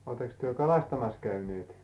olettekos te kalastamassa käyneet